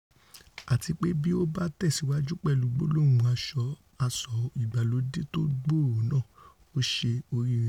Àtipé bí ó bá tẹ̀síwájú pẹ̀lú gbólóhùn asọ ìgbàlódé tó gbòòrò náà- ó ṣe oríire.